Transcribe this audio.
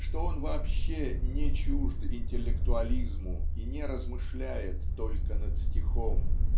что он вообще не чужд интеллектуализму и не размышляет только над стихом